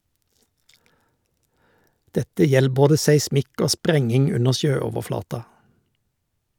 Dette gjeld både seismikk og sprenging under sjøoverflata.